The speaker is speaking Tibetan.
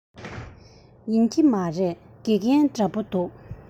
ཡིན གྱི མ རེད དགེ རྒན འདྲ པོ འདུག